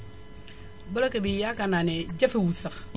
bloqué bi yaakaar naa ne jafewul sax